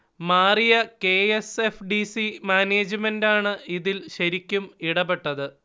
മാറിയ K. S. F. D. C. മാനേജ്മെന്റാണു ഇതിൽ ശരിക്കും ഇടപെട്ടത്